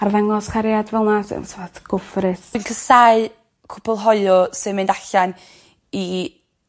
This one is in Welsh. arddangos cariad fel 'na t- t'mod go for it. Fi'n casau cwpwl hoyw sy'n mynd allan i